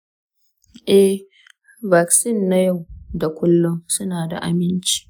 eh, vaccines na yau da kullum suna da aminci.